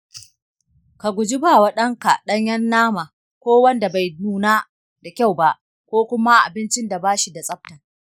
ka guji ba wa ɗanka ɗanyen nama ko wanda bai nuna da kyau ba, ko kuma abincin da bashi da tsafta.